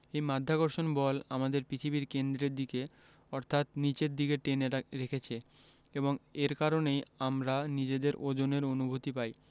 এই মাধ্যাকর্ষণ বল আমাদের পৃথিবীর কেন্দ্রের দিকে অর্থাৎ নিচের দিকে টেনে রা রেখেছে এবং এর কারণেই আমরা নিজেদের ওজনের অনুভূতি পাই